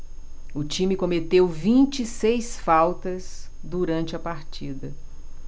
o time cometeu vinte e seis faltas durante a partida